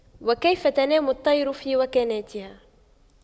وكيف تنام الطير في وكناتها